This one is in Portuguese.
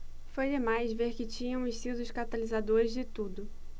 foi demais ver que tínhamos sido os catalisadores de tudo